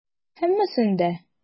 Һәммәсен дә.